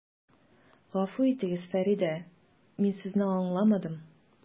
Гафу итегез, Фәридә, мин Сезне аңламадым.